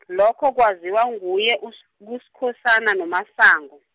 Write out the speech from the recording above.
lokho kwaziwa nguye us- kuSkhosana noMasango.